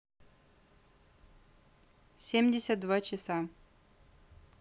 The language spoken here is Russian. семьдесят два часа